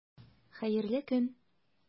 Хәерле көн!